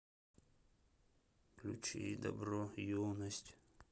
включи дабро юность